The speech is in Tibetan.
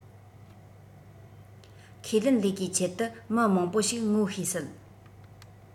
ཁས ལེན ལས ཀའི ཆེད དུ མི མང པོ ཞིག ངོ ཤེས སྲིད